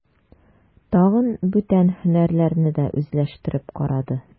Тагын бүтән һөнәрләрне дә үзләштереп карады.